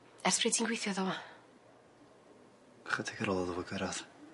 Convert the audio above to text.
Ers pryd ti'n gweithio iddo fo? Chydig ar ôl iddo fo gyrradd.